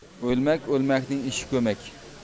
o'lmak o'lmakning ishi ko'mmak